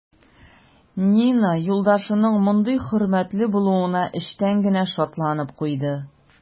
Нина юлдашының мондый хөрмәтле булуына эчтән генә шатланып куйды.